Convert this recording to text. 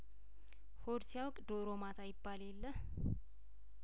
ሆድ ሲያውቅ ዶሮ ማታ ይባል የለ